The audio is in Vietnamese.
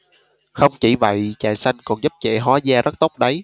không chỉ vậy trà xanh còn giúp trẻ hóa da rất tốt đấy